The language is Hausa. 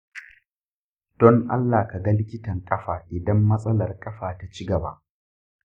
don allah ka ga likitan ƙafa idan matsalar ƙafa ta ci gaba.